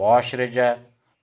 bosh reja